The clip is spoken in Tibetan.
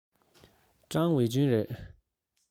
ཀྲང ཝུན ཅུན རེད